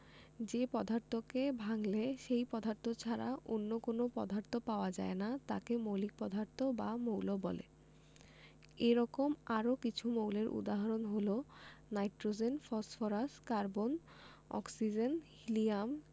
যে পদার্থকে ভাঙলে সেই পদার্থ ছাড়া অন্য কোনো পদার্থ পাওয়া যায় না তাকে মৌলিক পদার্থ বা মৌল বলে এরকম আরও কিছু মৌলের উদাহরণ হলো nitrogen phosphorus carbon oxygen helium